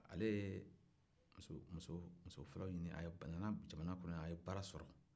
ale ye muso muso fɔlɔ ɲini a nana jamana kɔnɔ yan a ye baara sɔrɔ